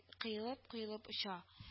Кыелып—кыелып оча